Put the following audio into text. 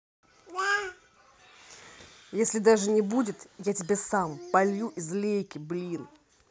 если даже не будет я тебя сам полью из лейки блин